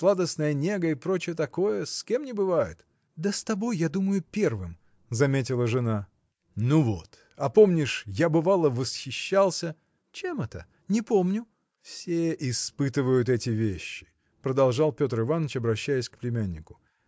сладостная нега и прочее такое – с кем не бывает? – Да с тобой, я думаю, первым! – заметила жена. – Ну вот! А помнишь, я, бывало, восхищался. – Чем это? не помню. – Все испытывают эти вещи – продолжал Петр Иваныч обращаясь к племяннику